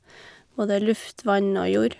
Både luft, vann og jord.